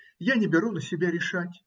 Я не беру на себя решать